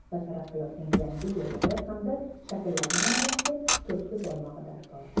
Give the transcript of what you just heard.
va taraqqiyotning yangi yo'llari hamda shakllarini aniqlashga turtki bo'lmog'i darkor